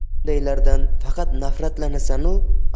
bundaylardan faqat nafratlanasan u